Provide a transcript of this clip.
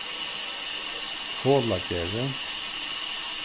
folagerði